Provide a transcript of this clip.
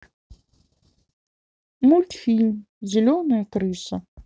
мультфильм зеленая крыса